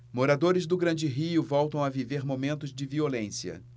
moradores do grande rio voltam a viver momentos de violência